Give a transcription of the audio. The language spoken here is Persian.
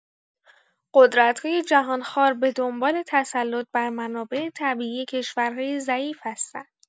قدرت‌های جهانخوار به دنبال تسلط بر منابع طبیعی کشورهای ضعیف هستند.